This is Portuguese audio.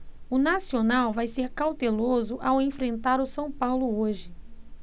o nacional vai ser cauteloso ao enfrentar o são paulo hoje